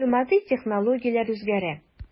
Мәгълүмати технологияләр үзгәрә.